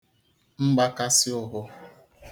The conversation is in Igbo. mgbakasị ụhụ